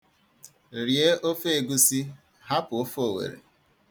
Rie ofe egusi, hapụ ofe owere.